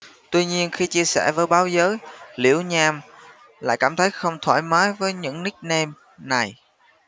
tuy nhiên khi chia sẻ với báo giới liễu nham lại cảm thấy không thoải mái với những nickname này